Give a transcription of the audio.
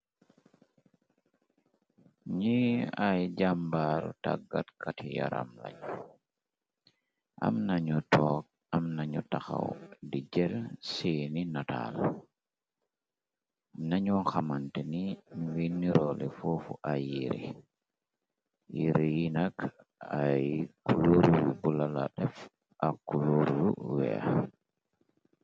Nye aye jambar tagatkate yaram len amna nu tonke amna nu tahaw de jel sene natal nanu hamtane nuge nerole fofu aye yere yere ye nak aye kuloor bu bulo la def ak kuloor bu weex.